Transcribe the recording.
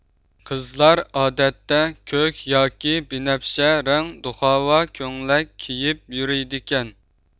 قىزلار ئادەتتە كۆك ياكى بىنەپشە رەڭ دۇخاۋا كۆڭلەك كىيىپ يۈرۈيدىكەن